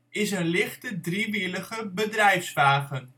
is een lichte, driewielige bedrijfswagen